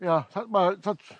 Ia ta- ma' tatws.